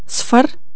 صفر